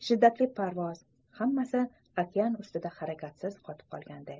shiddatli parvoz hammasi okean ustida harakatsiz qotib qolganday